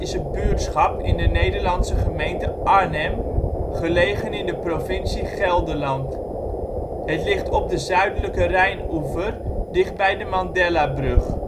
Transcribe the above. buurtschap in de Nederlandse gemeente Arnhem, gelegen in de provincie Gelderland. Het ligt op de zuidelijk Rijnoever dichtbij de Mandelabrug